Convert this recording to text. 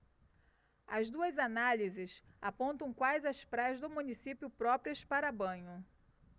as duas análises apontam quais as praias do município próprias para banho